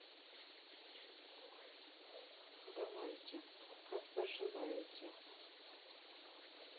давайте как поживаете